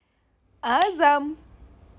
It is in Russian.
азам